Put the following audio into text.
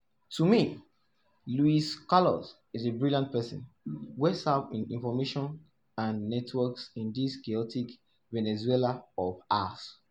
To me, Luis Carlos is a brilliant person, well versed in information and networks in this chaotic Venezuela of ours.